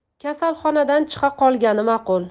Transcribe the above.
kasalxonadan chiqa qolgani ma'qul